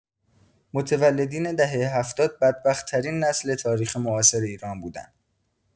متولدین دهه هفتاد بدبخت‌ترین نسل تاریخ معاصر بودن.